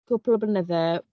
Cwpl o blynyddau.